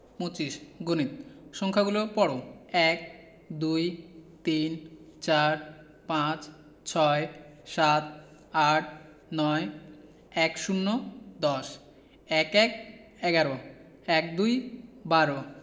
২৫ গণিত সংখ্যাগুলো পড়ঃ ১ - এক ২ - দুই ৩ - তিন ৪ – চার ৫ – পাঁচ ৬ - ছয় ৭ - সাত ৮ - আট ৯ - নয় ১০ – দশ ১১ - এগারো ১২ - বারো